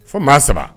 Fɔ maa saba